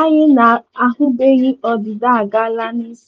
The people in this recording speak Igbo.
Ayr na ahụbeghị ọdịda agaala n’isi